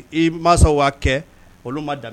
I ma' kɛ olu ma dan